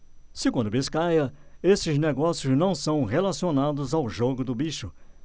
segundo biscaia esses negócios não são relacionados ao jogo do bicho